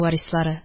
Варислары.